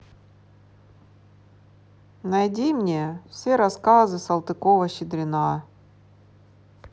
найди мне все рассказы салтыкова щедрина